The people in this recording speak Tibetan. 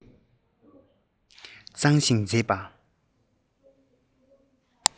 གཙང ཞིང མཛེས པ